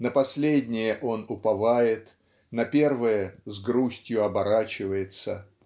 На последнее он уповает, на первое с грустью оборачивается.